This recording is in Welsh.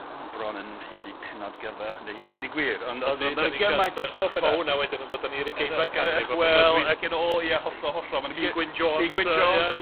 Ma' hwnna bron yn haeddu pennod gyfa yn dy hun, deud y gwir, ond o'dd o'dd 'na gymaint o stwff ... ...hwnna wedyn yn dod â ni i'r ugeinfaid ganrif ... ...yy wel ac yn ôl ia hollol hollol ma' Ti Gwyn Jones Ti Gwyn Jones .